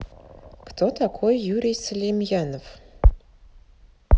кто такой юрий салимьянов